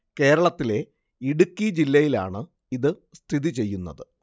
കേരളത്തിലെ ഇടുക്കി ജില്ലയിലാണ് ഇത് സ്ഥിതി ചെയ്യുന്നത്